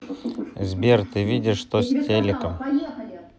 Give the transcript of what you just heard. сбер ты видишь что с телеком